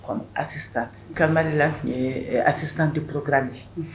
Sisan kamalenri la a sisan tɛ porokta minɛ